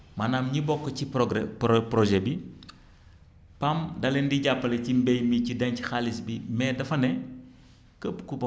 maanaam ñi bokk ci programme ptojet bi PAM da leen di jàppale ci mbay mi ci denc xaalis bi mais dafa ne képp ku bokk